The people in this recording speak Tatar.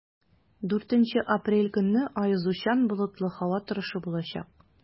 4 апрель көнне аязучан болытлы һава торышы булачак.